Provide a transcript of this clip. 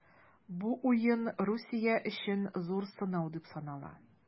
Бу уен Русия өчен зур сынау дип санала.